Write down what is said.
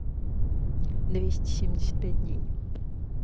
двести семьдесят пять дней